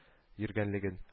Йөргәнлеген